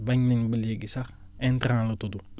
bañ nañ ba léegi sax intrant la tudd